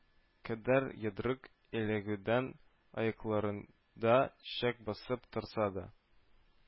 Кадәр йодрык эләгүдән аякларында чак басып торса да